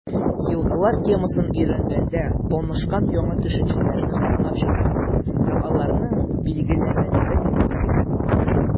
«елгалар» темасын өйрәнгәндә танышкан яңа төшенчәләрне санап чыгыгыз һәм аларның билгеләмәләрен бирегез.